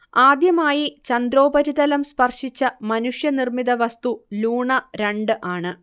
ആദ്യമായി ചന്ദ്രോപരിതലം സ്പർശിച്ച മനുഷ്യനിർമിത വസ്തു ലൂണ രണ്ട് ആണ്